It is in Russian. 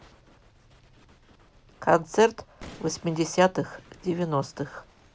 концерт восьмидесятых девяностых